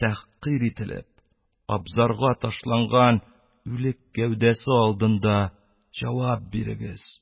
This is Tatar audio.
Тәхкыйрь ителеп, азбарга ташланган үлек гәүдәсе алдында җавап бирегез.